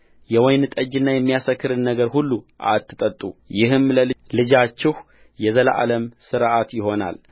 የወይን ጠጅና የሚያሰክርን ነገር ሁሉ አትጠጡ ይህም ለልጅ ልጃችሁ የዘላለም ሥርዓት ይሆናል